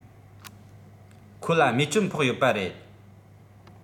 ཁོ ལ རྨས སྐྱོན ཕོག ཡོད པ རེད